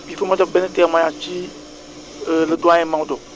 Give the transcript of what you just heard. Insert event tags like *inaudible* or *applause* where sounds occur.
il faut ma def benn témoignage ci *noise* *hesitation* le doyen Maodo